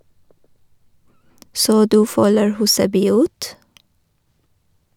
- Så du følger Huseby ut?